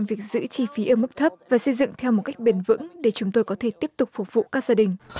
việc giữ chi phí ở mức thấp và xây dựng theo một cách bền vững để chúng tôi có thể tiếp tục phục vụ các gia đình